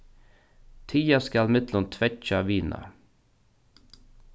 tiga skal millum tveggja vina